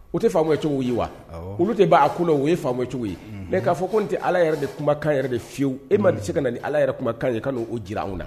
O tɛ faamu cogo ye wa olu de b'a kun o ye faamu cogo ye ne k'a fɔ ko nin tɛ ala yɛrɛ de kumakan yɛrɛ de fiyewu e ma di se ka na nin ala yɛrɛ kumakan ye ka o jira anw na